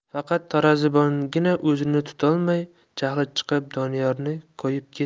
faqat tarozibongina o'zini tutolmay jahli chiqib doniyorni koyib ketdi